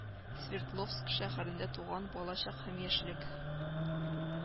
Свердловск шәһәрендә туган, балачак һәм яшьлек